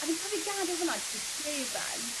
a fi'n cofio gadal fynna jyst llefen